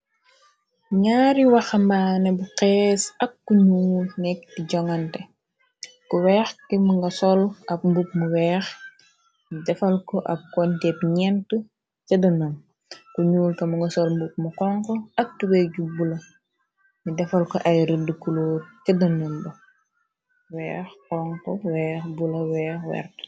Ñaari waxambaane bu xees ak kuñuul nekk di jonante, ku weex ki mu nga sol ab mbub mu weex yu defal ko ab konteb ñenti cëddanam ba, ku ñuul ka mu nga sol mbub mu xonxu ak tubay ju bula, ñu defal ko ay rëdd kuloor cëddanam ba weex, xonxu, weex, bula, weex, werta.